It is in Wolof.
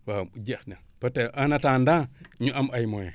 waaw jeex na peut êtr en attendant ñu am ay moyens